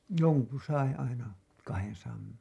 jonkun sai aina kahdensadan